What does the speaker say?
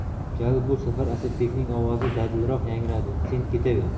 jalil bu safar asadbekning ovozi dadilroq yangradi sen ketaver